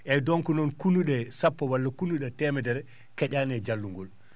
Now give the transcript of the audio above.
eeyi donc kunu?e sappo walla kunu?e temedere ke?aani e jallungol